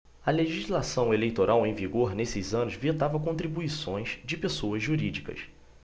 a legislação eleitoral em vigor nesses anos vetava contribuições de pessoas jurídicas